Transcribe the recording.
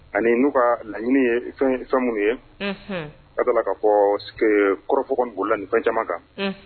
Ani n'u ka laɲini ye fɛn minnu ye ka k kaa fɔ kɔrɔfɔkougu la ni fɛn caman kan